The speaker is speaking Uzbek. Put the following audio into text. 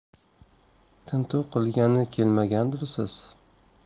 tintuv qilgani kelmagandirsiz